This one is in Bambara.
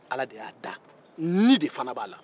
ala de y'a da ni de fana b'a la